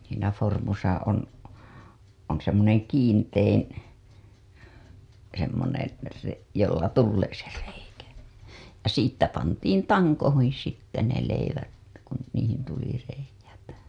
siinä vormussa on on semmoinen kiintein semmoinen - jolla tulee se reikä ja siitä pantiin tankoihin sitten ne leivät kun niihin tuli reiät